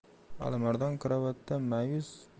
alimardon karavotda ma'yus